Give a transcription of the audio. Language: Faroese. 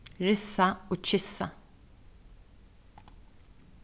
ryssa og kyssa